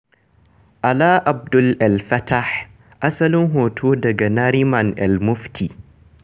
Alaa Abd El Fattah, asalin hoto daga Nariman El-Mofty.